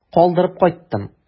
Калдырып кайттым.